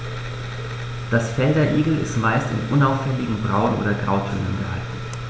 Das Fell der Igel ist meist in unauffälligen Braun- oder Grautönen gehalten.